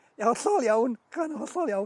Ia, hollol iawn, hollol iawn.